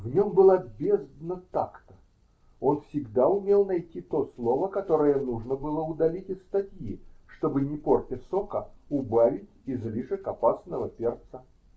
В нем была бездна такта: он всегда умел найти то слово, которое нужно было удалить из статьи, чтобы, не портя сока, убавить излишек опасного перца.